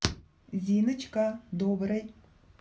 зиночка доброй